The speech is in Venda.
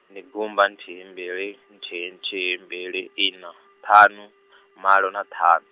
ndi gumba nthihi mbili, nthihi nthihi mbili ina, ṱhanu, malo na ṱhanu.